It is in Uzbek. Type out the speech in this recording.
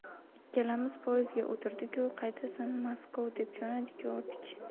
ikkalamiz poyizga o'tirdigu qaydasan maskov deb jo'nadik vordik